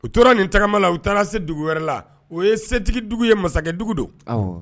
U tora nin tagama la u taara se dugu wɛrɛ la o ye setigi dugu ye masakɛdugu don